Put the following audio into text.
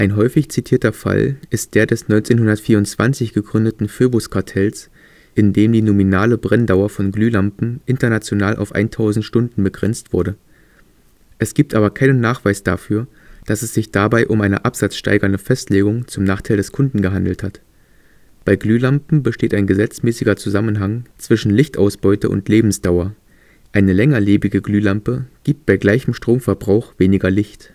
häufig zitierter Fall ist der des 1924 gegründeten Phoebuskartells, in dem die nominale Brenndauer von Glühlampen international auf 1000 Stunden begrenzt wurde. Es gibt aber keinen Nachweis dafür, dass es sich dabei um eine absatzsteigernde Festlegung zum Nachteil der Kunden gehandelt hat. Bei Glühlampen besteht ein gesetzmäßiger Zusammenhang zwischen Lichtausbeute und Lebensdauer, eine längerlebige Glühlampe gibt bei gleichem Stromverbrauch weniger Licht